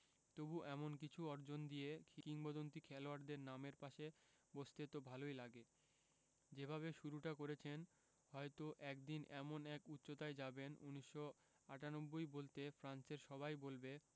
তবু এমন কিছু অর্জন দিয়ে কিংবদন্তি খেলোয়াড়দের নামের পাশে বসতে তো ভালোই লাগে যেভাবে শুরুটা করেছেন হয়তো একদিন এমন এক উচ্চতায় যাবেন ১৯৯৮ বলতে ফ্রান্সের সবাই বলবে